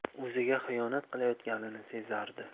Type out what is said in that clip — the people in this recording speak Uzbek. o'ziga xiyonat qilayotganini sezardi